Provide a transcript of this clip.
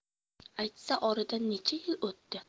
aytsa oradan necha yil o'tdi